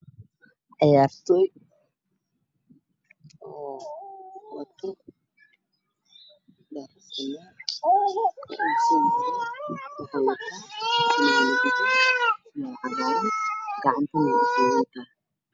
Waa ciyaartoy wataan fanaanada guduud waxay ka kooban yihiin wiilal gacanta ayuu wax ugu xiran yahay mid